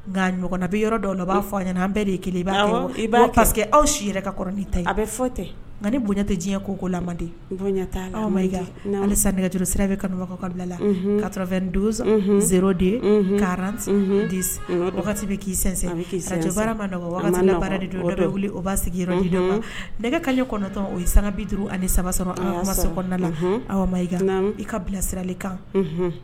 Nka ɲɔgɔnna bɛ yɔrɔ dɔ dɔ b'a fɔ a an bɛɛ de ye kelen i b'a fɔ i b' paseke aw si yɛrɛ ka ta a bɛ nka ni bonya tɛ diɲɛ ko ko la halisa nɛgɛj sira bɛ kabaga kala ka donso z de karan de wagati bɛ k kii sa ma baara wuli o b'a sigi nɛgɛkale kɔnɔntɔn o ye san bi duuru ani saba sɔrɔ kɔnɔna la aw i ka bilasirali kan